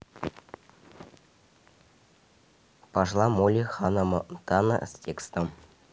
пошла молли ханнамонтана с текстом